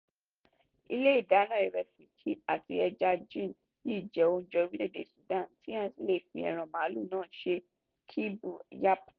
Ìlànà ìdáná ìrẹsì (ceeb) àti ẹja (jenn) yìí jẹ́ oúnjẹ orílẹ̀ ti Sudan tí èèyàn sì lè fi ẹran màálù náà sè é (ceebu yapp).